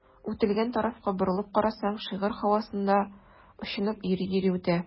Үтелгән тарафка борылып карасаң, шигырь һавасында очынып йөри-йөри үтә.